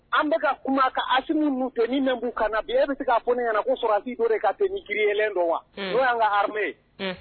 An bɛ ka kuma ka Asimu ninnu, tenue min b'u kan na bi, e bɛ se ka fɔ ne ɲɛna ko sɔrɔdasi do de ka tenue créer do wa ? Un; min ye an ka armée ye. Un!